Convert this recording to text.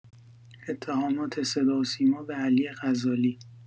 اتهامات صداوسیما به علی غزالی